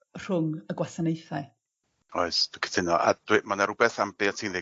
rhwng y gwasanaethau. Oes dwi cytuno a dwi ma' 'na rwbeth am be' o't ti'n ddeud...